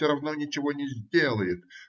Все равно ничего не сделает.